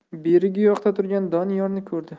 berigi yoqda turgan doniyorni ko'rdi